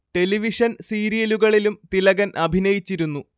television സീരിയലുകളിലും തിലകൻ അഭിനയിച്ചിരുന്നു